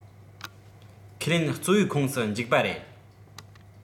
ཁས ལེན གཙོ བོའི ཁོངས སུ འཇུག པ རེད